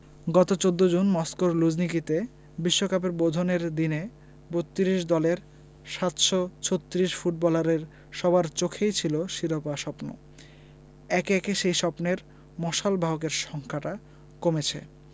গত ১৪ জুন মস্কোর লুঝনিকিতে বিশ্বকাপের বোধনের দিনে ৩২ দলের ৭৩৬ ফুটবলারের সবার চোখেই ছিল শিরোপা স্বপ্ন একে একে সেই স্বপ্নের মশালবাহকের সংখ্যাটা কমেছে